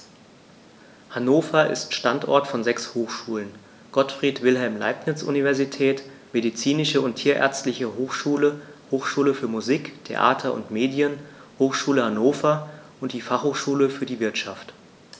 Hannover ist Standort von sechs Hochschulen: Gottfried Wilhelm Leibniz Universität, Medizinische und Tierärztliche Hochschule, Hochschule für Musik, Theater und Medien, Hochschule Hannover und die Fachhochschule für die Wirtschaft.